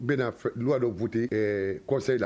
U bɛna na dugwa dɔ bute kɔ kosɛbɛ la